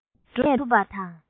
འདི ནས འགྲོ ཐུབ པ དང